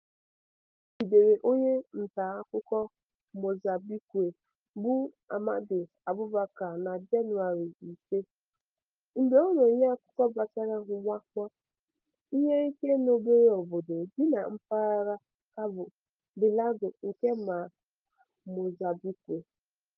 E jidere onye ntaakụkọ Mozambique bụ Amade Abubacar na Jenụwarị 5, mgbe ọ na-enye akụkọ gbasara mwakpo ihe ike n'obere obodo dị na mpaghara Cabo Delgado nke Mozambique.